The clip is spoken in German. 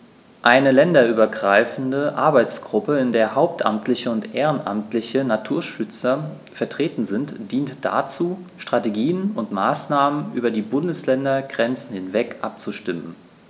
Eine länderübergreifende Arbeitsgruppe, in der hauptamtliche und ehrenamtliche Naturschützer vertreten sind, dient dazu, Strategien und Maßnahmen über die Bundesländergrenzen hinweg abzustimmen.